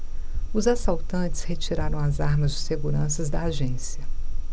os assaltantes retiraram as armas dos seguranças da agência